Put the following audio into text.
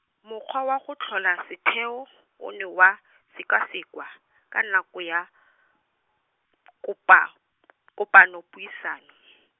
mokgwa wa go tlhola setheo, o ne wa , sekwasekwa, ka nako ya , kopa, kopanopuisano.